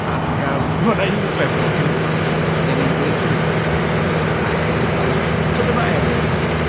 Ac, yym, ma' 'na un clip o Huw Ffash, odd e'n wneud gwedd-newidiad arno fi, ac, odd e fel like: "so dyma Ellis,"